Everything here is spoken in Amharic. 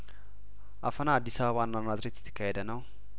አፈና አዲስ አበባናናዝሬት እየተካሄደ ነው